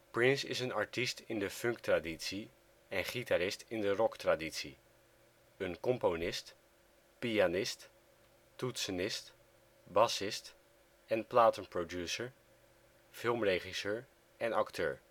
Prince is een artiest in de funktraditie en gitarist in de rocktraditie, een componist, pianist, toetsenist, bassist en platenproducer, filmregisseur en acteur